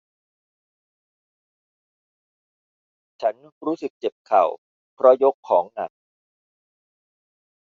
ฉันรู้สึกเจ็บเข่าเพราะยกของหนัก